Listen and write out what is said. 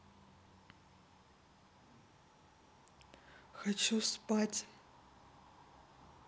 хочу спать